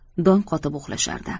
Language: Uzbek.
dong qotib uxlashardi